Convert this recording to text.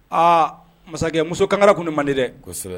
Aa masakɛ muso kangara tun ni mande di dɛ kosɛbɛ